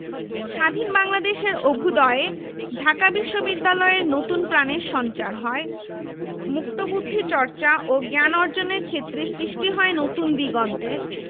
স্বাধীন বাংলাদেশের অভ্যুদয়ে ঢাকা বিশ্ববিদ্যালয়ে নতুন প্রাণের সঞ্চার হয় মুক্তবুদ্ধি চর্চা ও জ্ঞান অর্জনের ক্ষেত্রে সৃষ্টি হয় নতুন দিগন্তের